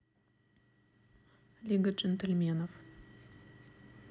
лига джентельменов